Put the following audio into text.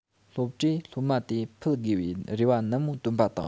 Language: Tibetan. སློབ གྲྭས སློབ མ དེ ཕུད དགོས པའི རེ བ ནན མོ བཏོན པ དང